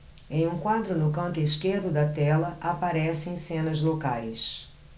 em um quadro no canto esquerdo da tela aparecem cenas locais